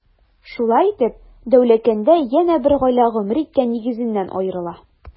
Шулай итеп, Дәүләкәндә янә бер гаилә гомер иткән нигезеннән аерыла.